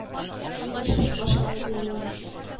— дигәч, сүз башлады, ди, министр: